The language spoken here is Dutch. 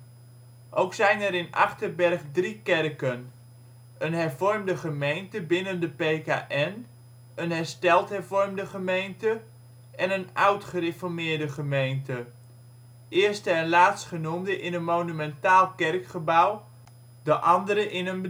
Ook zijn er in Achterberg 3 kerken: een Hervormde Gemeente binnen de PKN een Hersteld Hervormde Gemeente een Oud Gereformeerde Gemeente Eerst - en laatstgenoemde in een monumentaal kerkgebouw, de andere in een bedrijfspand